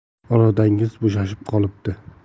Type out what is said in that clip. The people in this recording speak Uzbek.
irodangiz bo'shashib qolibdi